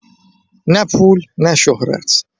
نه پول، نه شهرت.